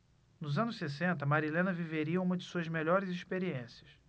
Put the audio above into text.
nos anos sessenta marilena viveria uma de suas melhores experiências